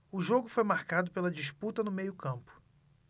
o jogo foi marcado pela disputa no meio campo